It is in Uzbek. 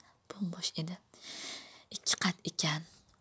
ikkiqat ekan